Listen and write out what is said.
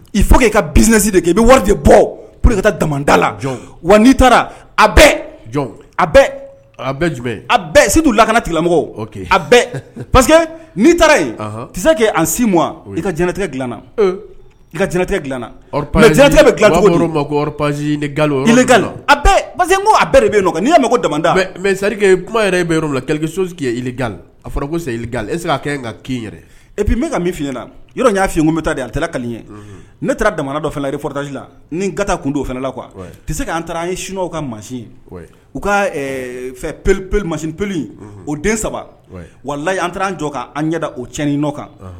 I fo k' i ka binsi de kɛ i bɛ wari de bɔ pta dada la wa n'i taara a a bɛɛ ju a sidu lakana kilamɔgɔ a parce que n'i taara yen tise kɛ an si ma i ka jɛnɛtɛ dilana nka jɛnɛtɛ dilanatɛ bɛzle a parce a bɛɛ de bɛ yen nɔ n'i'a ko dada mɛ sake ku yɛrɛ e bɛ yɔrɔ lalekisosi a fɔra koga ese' kɛ n ka kin yɛrɛ ep bɛ ka min fi la yɔrɔ y'a f fiɲɛ kun bɛ taa de a taara ka ɲɛ ne taara damanadɔ dɔ fana a yetazsila ni n ka taa kundo o fana la qu te se ka'an taara an ye sunw ka masi ye u ka fɛ pe pe masi peelil o den saba wala an taara an jɔ' an ɲɛda o tiin nɔ kan